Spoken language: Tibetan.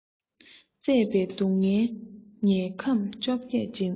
བཙས པའི སྡུག སྔལ མྱལ ཁམས བཅོ བརྒྱད འགྲིམ